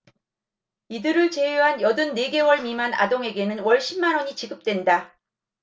이들을 제외한 여든 네 개월 미만 아동에게는 월 십 만원이 지급된다